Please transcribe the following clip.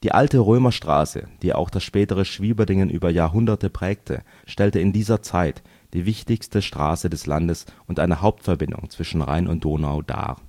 alte Römerstraße, die auch das spätere Schwieberdingen über Jahrhunderte prägte, stellte in dieser Zeit die wichtigste Straße des Landes und eine Hauptverbindung zwischen Rhein und Donau dar